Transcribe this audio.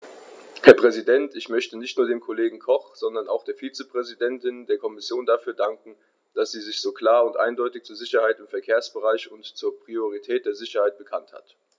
Herr Präsident, ich möchte nicht nur dem Kollegen Koch, sondern auch der Vizepräsidentin der Kommission dafür danken, dass sie sich so klar und eindeutig zur Sicherheit im Verkehrsbereich und zur Priorität der Sicherheit bekannt hat.